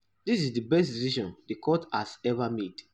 This is the best decision the court has ever made